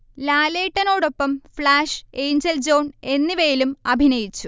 ലാലേട്ടനോടൊപ്പം Flash, Angel John എന്നിവയിലും അഭിനയിച്ചു